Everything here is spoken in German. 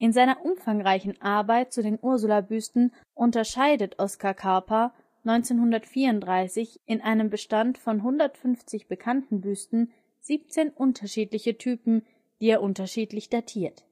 seiner umfangreichen Arbeit zu den Ursulabüsten unterscheidet Oskar Karpa 1934 in einem Bestand von 150 bekannten Büsten 17 unterschiedliche Typen, die er unterschiedlich datiert